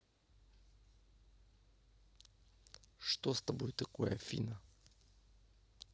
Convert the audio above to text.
что с тобой такое афина